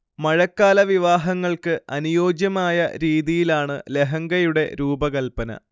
മഴക്കാല വിവാഹങ്ങൾക്ക് അനുയോജ്യമായ രീതിയിലാണ് ലഹങ്കയുടെ രൂപകല്പന